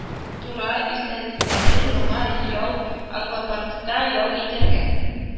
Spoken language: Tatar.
Тура истəлеклəре, яңа ял аквапаркта ял итəргə